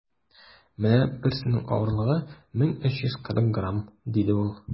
- менә берсенең авырлыгы 1340 грамм, - диде ул.